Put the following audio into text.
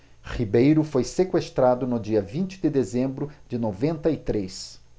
ribeiro foi sequestrado no dia vinte de dezembro de noventa e três